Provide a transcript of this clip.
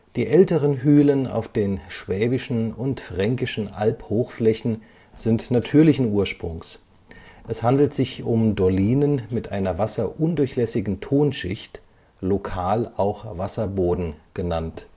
Die älteren Hülen auf den Schwäbischen und Fränkischen Albhochflächen sind natürlichen Ursprungs, es handelt sich um Dolinen mit einer wasserundurchlässigen Tonschicht, lokal auch Wasserboden genannt